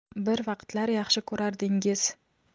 bir vaqtlar yaxshi ko'rardingiz